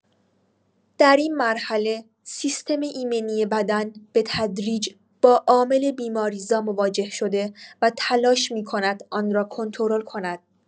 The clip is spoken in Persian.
در این مرحله سیستم ایمنی بدن به‌تدریج با عامل بیماری‌زا مواجه شده و تلاش می‌کند آن را کنترل کند.